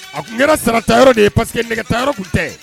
A tun kɛra sarata yɔrɔ de ye paseke que nɛgɛta yɔrɔ kun tɛ